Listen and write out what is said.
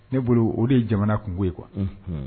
Ne bolo o de ye jamana kun ye kuwa